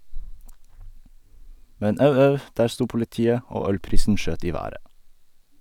Men au, au , der sto politiet, og ølprisen skjøt i været.